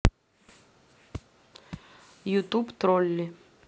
ютуб тролли